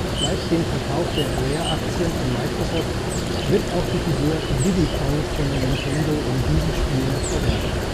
Seit dem Verkauf der Rare-Aktien an Microsoft wird auch die Figur Diddy Kong von Nintendo in diesen Spielen verwendet